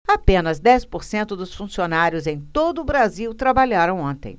apenas dez por cento dos funcionários em todo brasil trabalharam ontem